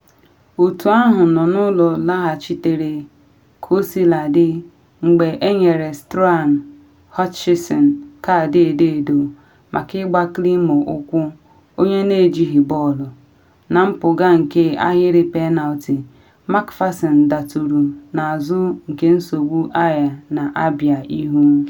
Otu ahụ nọ n’ụlọ laghachitere, kaosiladị, mgbe enyere Struan Hutchinson kaadị edo-edo maka ịgba Climo ụkwụ onye na ejighi bọọlụ, na mpụga nke ahịrị penalti, MacPherson daturu n’azụ nke nsogbu Ayr na abịa ihu.